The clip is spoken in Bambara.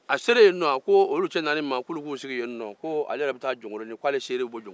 a selen ye nɔ a ko olu cɛ naani ma k'olou k'u sigi ye nɔ ko ale yɛrɛ bɛ taa jɔnkolonin